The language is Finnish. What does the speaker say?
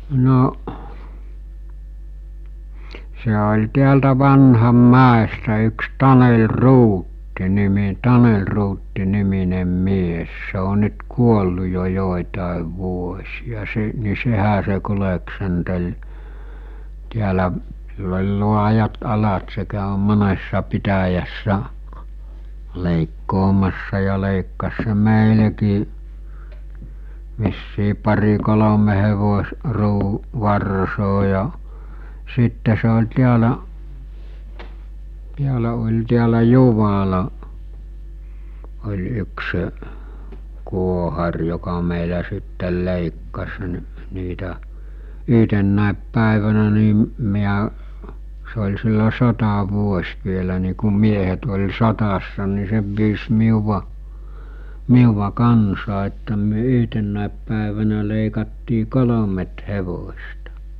no se oli täältä Vanhanmäestä yksi Taneli Ruutti - Taneli Ruutti niminen mies se on nyt kuollut jo joitakin vuosia se niin sehän se kulki täällä sillä oli laajat alat se kävi monessa pitäjässä leikkaamassa ja leikkasi se meillekin vissiin pari kolme -- varsaa ja sitten se oli täällä täällä oli täällä Juvalla oli yksi kuohari joka meillä sitten leikkasi - niitä yhtenä päivänä niin minä se oli silloin sotavuosi vielä niin kun miehet oli sodassa niin se pyysi minua minua kanssaan että me yhtenä päivänä leikattiin kolme hevosta